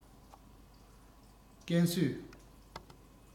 ཀན སུའུ